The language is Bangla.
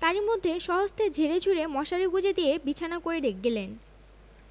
তারই মধ্যে স্বহস্তে ঝেড়েঝুড়ে মশারি গুঁজে দিয়ে বিছানা করে গেলেন